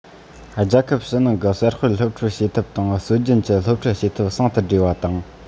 རྒྱལ ཁབ ཕྱི ནང གི གསར སྤེལ སློབ ཁྲིད བྱེད ཐབས དང སྲོལ རྒྱུན གྱི སློབ ཁྲིད བྱེད ཐབས ཟུང དུ སྦྲེལ བ དང